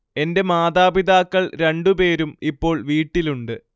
എന്റെ മാതാപിതാക്കൾ രണ്ടുപേരും ഇപ്പോൾ വീട്ടിലുണ്ട്